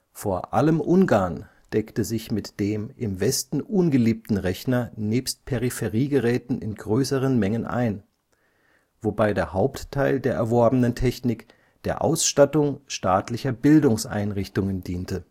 Vor allem Ungarn deckte sich mit dem im Westen ungeliebten Rechner nebst Peripheriegeräten in größeren Mengen ein, wobei der Hauptteil der erworbenen Technik der Ausstattung staatlicher Bildungseinrichtungen diente